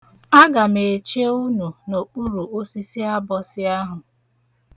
Aga m eche unu n'okpuru osisi abọsị ahụ.